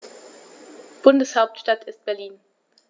Bundeshauptstadt ist Berlin.